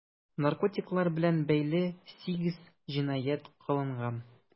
Наркотиклар белән бәйле 8 җинаять кылынган.